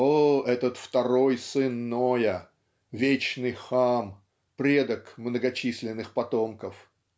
О, этот второй сын Ноя, вечный Хам, предок многочисленных потомков!